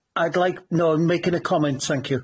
I'd like... No, I'm making a comment, thank you.